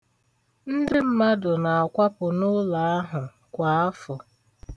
Ndị mmadụ na-akwapụ n'ụlọ ahụ kwa afọ.